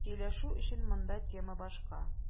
Сөйләшү өчен монда тема башка.